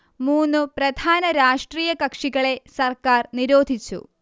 മൂന്നു പ്രധാന രാക്ഷ്ട്ടിയാ കക്ഷികളെ സർക്കാർ നിരോധിച്ചു